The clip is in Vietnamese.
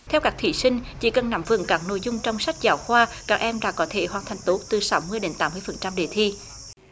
theo các thí sinh chỉ cần nắm vững các nội dung trong sách giáo khoa các em đã có thể hoàn thành tốt từ sáu mươi đến tám mươi phần trăm đề thi